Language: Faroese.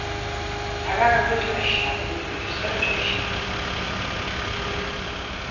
har var ein lítil eskja inni í tí stóru eskjuni